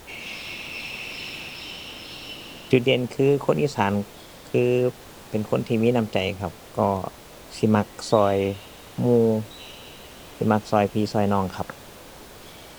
จุดเด่นคือคนอีสานคือเป็นคนที่มีน้ำใจครับ ก็สิมักช่วยหมู่ สิมักช่วยพี่ช่วยน้องครับ